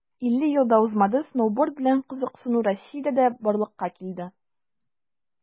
50 ел да узмады, сноуборд белән кызыксыну россиядә дә барлыкка килде.